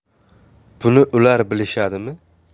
buni ular bilishadimi